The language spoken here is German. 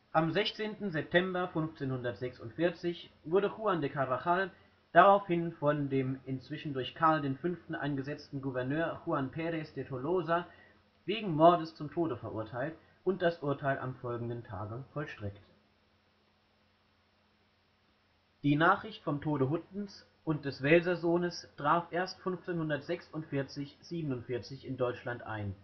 Am 16. September 1546 wurde Juan de Carvajal daraufhin von dem inzwischen durch Karl V. eingesetzten Gouverneur Juan Pérez de Tolosa wegen Mordes zum Tode verurteilt und das Urteil am folgenden Tag vollstreckt. Die Nachricht vom Tode Huttens und des Welsersohnes traf erst 1546/47 in Deutschland ein